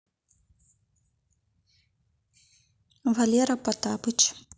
валера потапыч